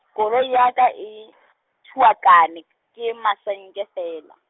koloi ya ka e , thuakane, ke masenke feela.